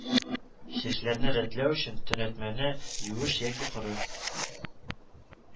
Чәчләрне рәтләү өчен төнәтмәне юеш яки коры